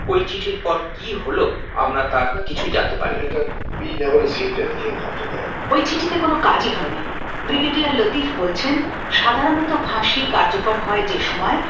ওই চিঠির পর কি হলো আমরা তার কিছুই জানতে পারি না we never received anything after that ওই চিঠিতে কোন কাজই হয়নি ব্রিগেডিয়ার লতিফ বলছেন সাধারণত ফাঁসি কার্যকর হয় যে সময়